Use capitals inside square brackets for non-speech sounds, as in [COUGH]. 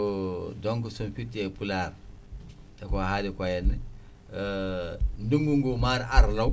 [HESITATION] donc somi firti e pulaar eko haaliko henna [HESITATION] ndungu ngu ma ar law